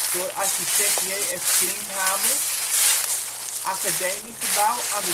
door architect J.F. Klinkhamer. Academiegebouw aan